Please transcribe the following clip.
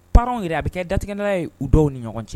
Baararaww yɛrɛ a bɛ kɛ datigɛdala ye u dɔw ni ɲɔgɔn cɛ